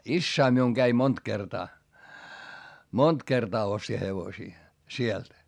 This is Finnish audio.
isäni minun kävi monta kertaa monta kertaa osti hevosia sieltä